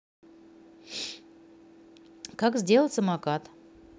как сделать самокат